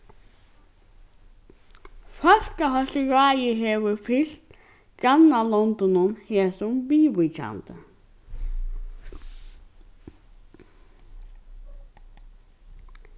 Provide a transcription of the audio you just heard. fólkaheilsuráðið hevur fylgt grannalondunum hesum viðvíkjandi